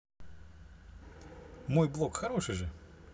мой блог хороший же